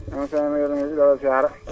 *** ñu ngi lay delloo ziyaara